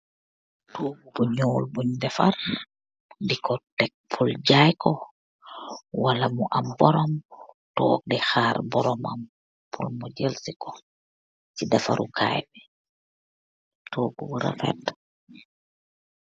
Tokgu bu nyeoul bunj wara jahyyi.